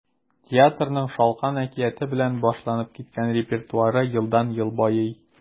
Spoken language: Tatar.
Театрның “Шалкан” әкияте белән башланып киткән репертуары елдан-ел байый.